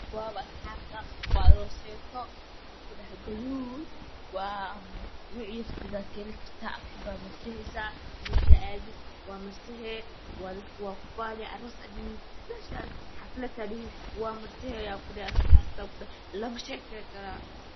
waaw asxaapta waa rooseeto waxaa ku dhahae gaduud waa nocii rapti baa ka hele kartaa afkabaa marsanesaa meshaa adid waa marsanee dadka waa ku fanee aroos hadhin meshaa raptid xaflad hadhihin waa marsanee asxapta lagama shekeen karaa